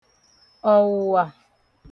ọ̀wụ̀wà